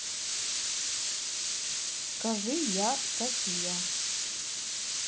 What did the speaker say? скажи я софия